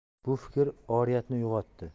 bu fikr oriyatni uyg'otdi